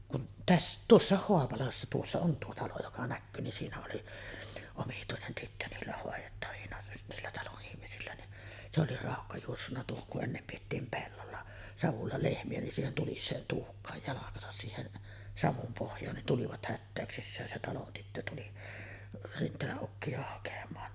kun - tuossa Haapalassa tuossa on tuo talo joka näkyy niin siinä oli omituinen tyttö niillä hoidettavina niillä talon ihmisillä niin se oli raukka juossut tuohon kun ennen pidettiin pellolla savulla lehmiä niin siihen tuliseen tuhkaan jalkansa siihen savun pohjaan niin tulivat hätäyksissään se talon tyttö tuli Rinteelän ukkia hakemaan